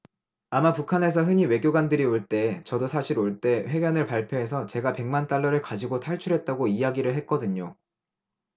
아마 북한에서 흔히 외교관들이 올 때 저도 사실 올 때 회견을 발표해서 제가 백 만 달러를 가지고 탈출했다고 이야기를 했거든요